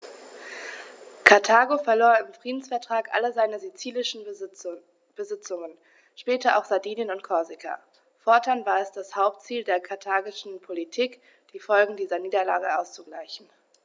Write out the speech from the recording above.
Karthago verlor im Friedensvertrag alle seine sizilischen Besitzungen (später auch Sardinien und Korsika); fortan war es das Hauptziel der karthagischen Politik, die Folgen dieser Niederlage auszugleichen.